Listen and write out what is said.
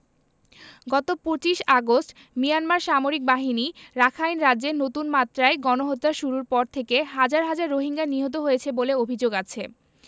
গত ২৫ August Myanmar সামরিক বাহিনী রাখাইন রাজ্যে নতুন মাত্রায় গণহত্যা শুরুর পর থেকে হাজার হাজার রোহিঙ্গা নিহত হয়েছে বলে অভিযোগ আছে